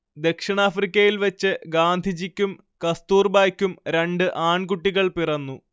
ദക്ഷിണാഫ്രിക്കയിൽ വച്ച് ഗാന്ധിജിക്കും കസ്തൂർബായ്ക്കും രണ്ട് ആൺകുട്ടികൾ പിറന്നു